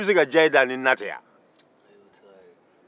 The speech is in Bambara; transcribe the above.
to bɛ se ka diya e da ni na tɛ wa